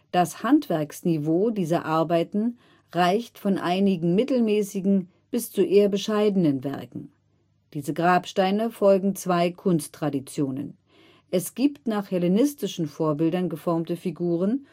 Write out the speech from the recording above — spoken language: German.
Das Handwerksniveau dieser Arbeiten reicht von einigen mittelmäßigen bis zu eher bescheidenen Werken. Diese Grabsteine folgen zwei Kunsttraditionen. Es gibt nach hellenistischen Vorbildern geformte Figuren